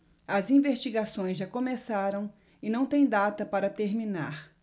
as investigações já começaram e não têm data para terminar